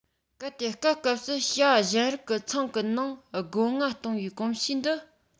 གལ ཏེ སྐབས སྐབས སུ བྱ གཞན རིགས ཀྱི ཚང གི ནང སྒོ ང གཏོང བའི གོམས གཤིས འདི